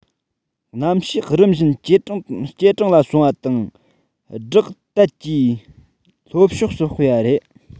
གནམ གཤིས རིམ བཞིན ཇེ གྲང ལ སོང བ དང སྦྲགས དལ གྱིས ལྷོ ཕྱོགས སུ སྤོས པ རེད